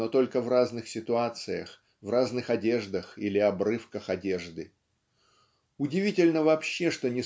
но только в разных ситуациях в разных одеждах или обрывках одежды. Удивительно вообще что